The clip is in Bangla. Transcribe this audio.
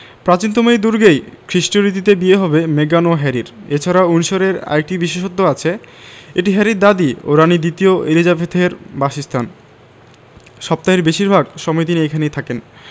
প্রাচীনতম এই দুর্গেই খ্রিষ্টীয় রীতিতে বিয়ে হবে মেগান ও হ্যারির এ ছাড়া উইন্ডসরের আরেকটি বিশেষত্ব আছে এটি হ্যারির দাদি ও রানি দ্বিতীয় এলিজাবেথের বাসস্থান সপ্তাহের বেশির ভাগ সময় তিনি এখানেই থাকেন